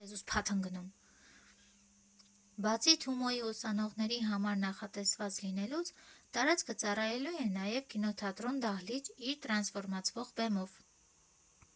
Բացի Թումոյի ուսանողների համար նախատեսված լինելուց, տարածքը ծառայելու է նաև կինոթատրոն֊դահլիճ իր տրանսֆորմացվող բեմով։